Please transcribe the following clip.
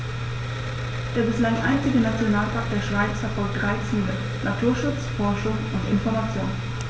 Der bislang einzige Nationalpark der Schweiz verfolgt drei Ziele: Naturschutz, Forschung und Information.